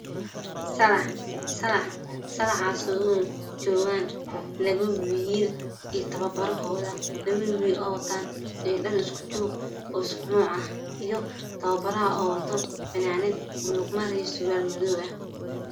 Salax jooga labo wiil tabanaraha wato fananad buluug maari surwaal madow